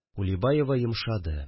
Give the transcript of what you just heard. Улибаева йомшады